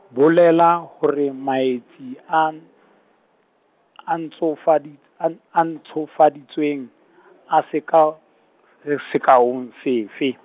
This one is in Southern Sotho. bolela hore maetsi a n- , a ntshofadits-, a n-, a ntshofaditsweng , a sekao, se sekaong sefe?